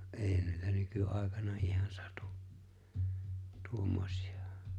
eihän niitä nykyaikana ihan satu tuommoisia